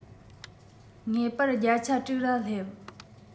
ངེས པར རྒྱ ཆ དྲུག ལ སླེབས